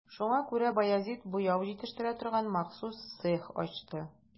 Шуңа күрә Баязит буяу җитештерә торган махсус цех ачты.